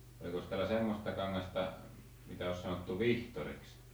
olikos täällä semmoista kangasta mikä olisi sanottu vihtoriksi